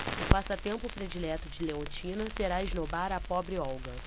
o passatempo predileto de leontina será esnobar a pobre olga